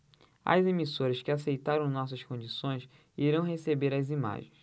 as emissoras que aceitaram nossas condições irão receber as imagens